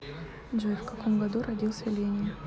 джой в каком году родился ленин